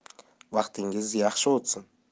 vaqtingiz yaxshi o'tsin